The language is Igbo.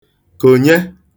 kònye